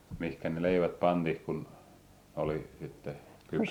mihin ne leivät pantiin kun oli sitten -